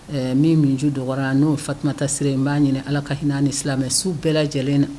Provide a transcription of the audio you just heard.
Min min jo dɔyara n'o fatumata sira in b'a ɲini ala ka hinɛ ni silamɛ su bɛɛ lajɛlen na